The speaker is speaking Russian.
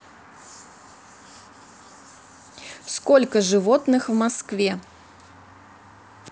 сколько животных в москве